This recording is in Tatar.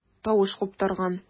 Тавыш куптарган.